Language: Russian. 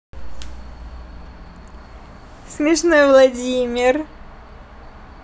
смешной владимир